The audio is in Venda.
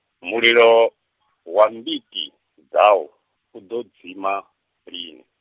mulilo, wa mbiti, dzau, u ḓo dzima, lini?